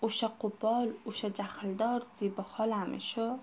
o'sha qo'pol o'sha jahldor zebi xolami shu